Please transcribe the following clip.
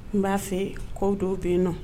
N b'a fɛ' dɔw bɛ yen n nɔ